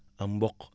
am mboq